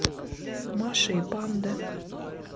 маша и панда